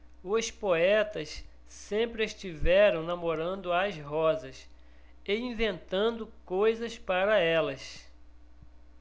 os poetas sempre estiveram namorando as rosas e inventando coisas para elas